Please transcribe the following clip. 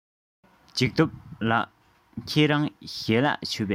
འཇིགས སྟོབས ལགས ཁྱེད རང ཞལ ལག མཆོད པས